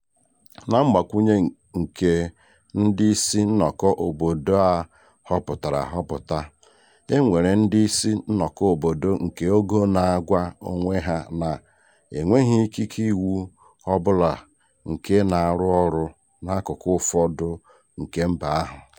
Na mgbakwụnye nke ndị isi nnọkọ obodo a họpụtara ahọpụta, enwere ndị isi nnọkọ obodo nke ogo na-gwa onwe ha na-enweghị ikike iwu ọ bụla nke na-arụ ọrụ n'akụkụ ụfọdụ nke mba ahụ.